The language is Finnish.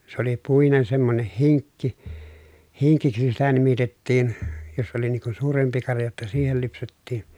se oli puinen semmoinen hinkki hinkiksi sitä nimitettiin jos oli niin kuin suurempi karja jotta siihen lypsettiin